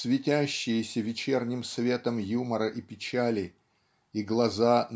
светящиеся вечерним светом юмора и печали и глаза